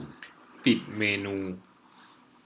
ปิดเมนู